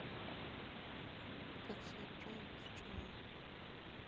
как все отправилось в чернобыль